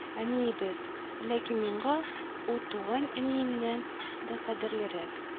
Әниебез, ләкин миңа ул туган әниемнән дә кадерлерәк